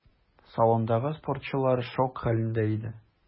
Салондагы спортчылар шок хәлендә иде.